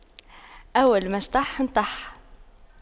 أول ما شطح نطح